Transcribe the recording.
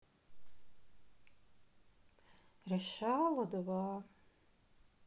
решала два